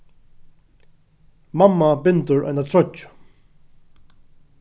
mamma bindur eina troyggju